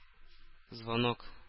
Звонок